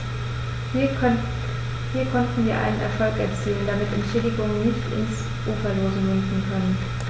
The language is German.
Hier konnten wir einen Erfolg erzielen, damit Entschädigungen nicht ins Uferlose münden können.